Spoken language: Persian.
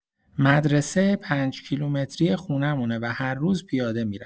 مدرسه پنج‌کیلومتری خونمونه و هر روز پیاده می‌رم.